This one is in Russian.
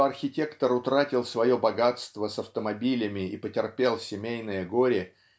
что архитектор утратил свое богатство с автомобилями и потерпел семейное горе